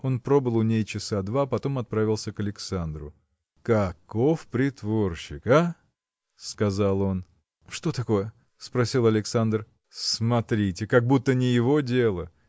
Он пробыл у ней часа два, потом отправился к Александру. – Каков притворщик, а! – сказал он. – Что такое? – спросил Александр. – Смотрите, как будто не его дело!